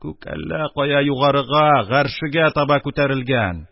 Күк әллә кая югарыга, гаршегә таба күтәрелгән.